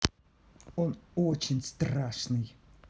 он очень страшный